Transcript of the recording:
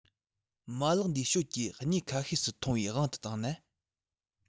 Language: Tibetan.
མ ལག འདིའི ཞོལ གྱི གནས ཁ ཤས སུ མཐོང བའི དབང དུ བཏང ན